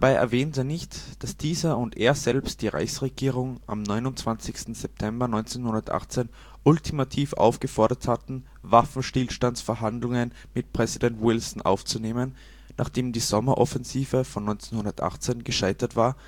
erwähnte er nicht, dass dieser und er selbst die Reichsregierung am 29. September 1918 ultimativ aufgefordert hatten, Waffenstillstandsverhandlungen mit Präsident Wilson aufzunehmen, nachdem die Sommeroffensive von 1918 gescheitert war